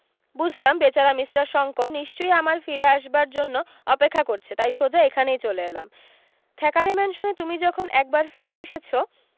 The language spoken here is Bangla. বুঝলাম বেচারা মিষ্টার শংকর নিশ্চয় আমার ফিরে আসবার জন্য অপেক্ষা করছে তাই সোজা এখানেই চলে এলাম থ্যাকারে ম্যানসনে তুমি যখন একবার ফিরে এসেছো